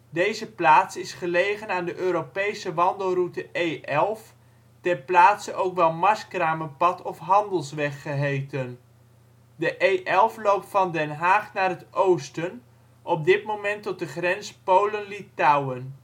Deze plaats is gelegen aan de Europese wandelroute E11, ter plaatse ook wel Marskramerpad of Handelsweg geheten. De E11 loopt van Den Haag naar het oosten, op dit moment tot de grens Polen/Litouwen